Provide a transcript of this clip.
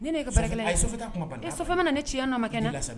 Ne ne ci ma kɛ